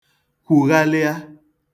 kwuyalịa